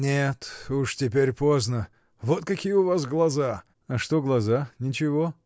— Нет, уж теперь поздно: вон какие у вас глаза! — А что глаза, ничего!